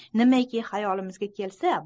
nimaiki xayolimizga kelsa